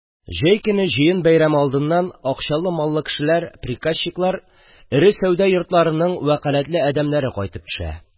Җәй көне, җыен бәйрәме алдыннан, акчалы-маллы кешеләр – приказчиклар, эре сәүдә йортларының вәкаләтле әдәмнәре кайтып төшә.